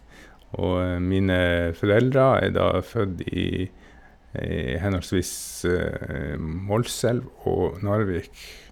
Og mine foreldre er da født i i henholdsvis Målselv og Narvik.